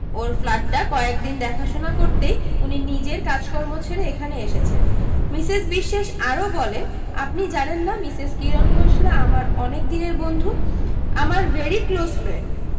ওর ফ্ল্যাটটা কয়েকদিন দেখাশোনা করতেই উনি নিজের কাজকর্ম ছেড়ে এখানে এসেছেন মিসেস বিশ্বাস আরও বললেন আপনি জানেন না মিসেস কিরণ খোসলা আমার অনেক দিনের বন্ধু আমার ভেরি ক্লোজ ফ্রেন্ড